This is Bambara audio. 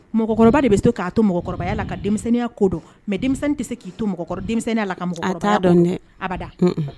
Mɔgɔkɔrɔba de be se k'a to mɔgɔkɔrɔbaya la ka denmisɛnniya ko dɔn mais denmisɛnnin te se k'i to mɔgɔkɔrɔ denmisɛnniya la ka mɔgɔkɔrɔbaya a t'a dɔn dɛ abada un-un